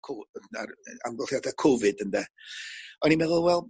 Co- yy na'r amgylchiada Cofid ynde o'n i'n meddwl wel